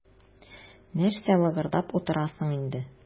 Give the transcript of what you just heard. Нәрсә лыгырдап утырасың инде.